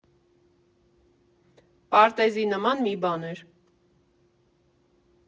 Պարտեզի նման մի բան էր։